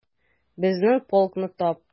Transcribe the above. Безнең полкны тап...